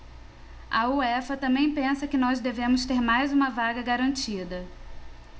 a uefa também pensa que nós devemos ter mais uma vaga garantida